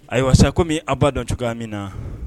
Ayiwa sa kɔmi a ba dɔn cogoya min na.